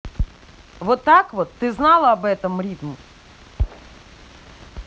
вот так вот ты знала об этом ритм